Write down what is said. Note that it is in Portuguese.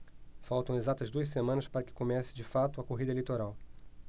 faltam exatas duas semanas para que comece de fato a corrida eleitoral